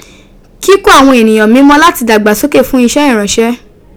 Kiko awon eniyan mimo lati dagbasoke fun ise iranse,